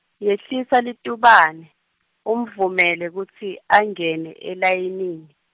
Yehlisa litubane, umvumele kutsi angene elayinini.